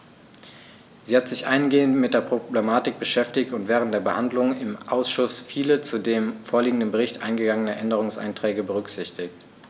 Sie hat sich eingehend mit der Problematik beschäftigt und während der Behandlung im Ausschuss viele zu dem vorliegenden Bericht eingegangene Änderungsanträge berücksichtigt.